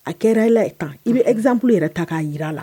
A kɛra e la kan i bɛ ezsanp yɛrɛ ta k'a jira la